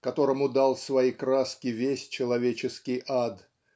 которому дал свои краски весь человеческий ад